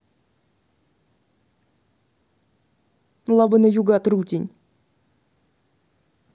лабы на юга трутень